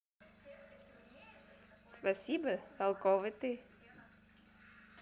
спасибо толковый ты